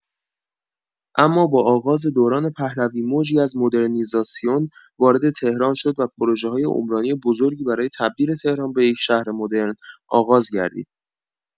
اما با آغاز دوران پهلوی، موجی از مدرنیزاسیون وارد تهران شد و پروژه‌های عمرانی بزرگی برای تبدیل تهران به یک شهر مدرن آغاز گردید.